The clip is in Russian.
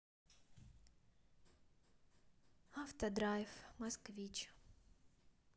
автодрайв москвич